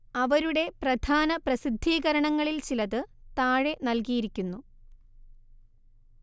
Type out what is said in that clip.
അവരുടെ പ്രധാന പ്രസിദ്ധീകരണങ്ങളിൽ ചിലത് താഴെ നൽകിയിരിക്കുന്നു